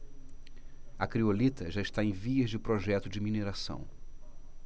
a criolita já está em vias de projeto de mineração